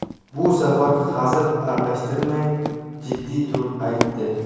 bu safar xazil aralashtirmay jiddiy turib aytdi